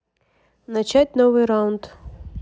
начать новый раунд